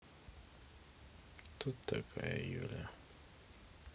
кто такая юля